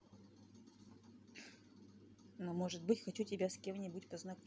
ну может быть хочу тебя с кем нибудь познакомить